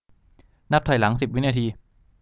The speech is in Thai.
นับถอยหลังสิบวินาที